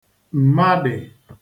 m̀madị̀